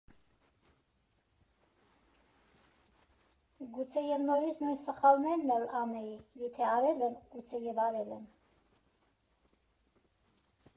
Գուցե և նորից նույն սխալներն էլ անեի, եթե արել եմ, գուցե և արել եմ։